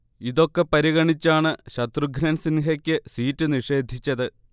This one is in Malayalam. ഇതൊക്കെ പരിഗണിച്ചാണ് ശത്രുഘ്നൻ സിൻഹയ്ക്ക് സീറ്റ് നിഷേധിച്ചത്